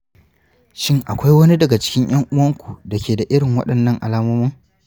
shin akwai wani daga cikin 'yan uwanku da ke da irin waɗannan alamomin?